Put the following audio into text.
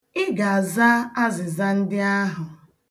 Ị ga-aza azịza ndị ahụ.